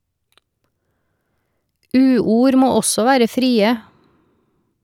Uord må også være frie.